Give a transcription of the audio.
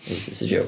Is this a joke?